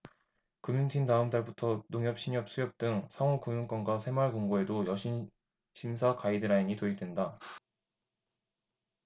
금융팀 다음 달부터 농협 신협 수협 등 상호금융권과 새마을금고에도 여신심사 가이드라인이 도입된다